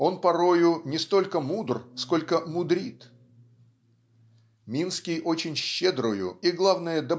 он порою не столько мудр, сколько мудрит. Минский очень щедрую и главное